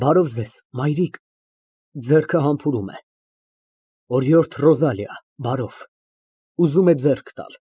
Բարով ձեզ, մայրիկ։ (Ձեռքը համբուրում է) Օրիորդ Ռոզալիա, բարով։ (Ուզում է ձեռք տալ)։